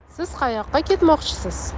siz qayoqqa ketmoqchisiz